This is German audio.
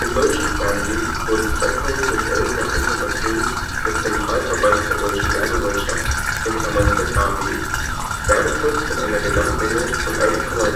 deutschen Fernsehen wurden 2011 nach Informationen des Zentralverbands der Deutschen Werbewirtschaft (ZAW) Werbespots mit einer Gesamtlänge von 1,79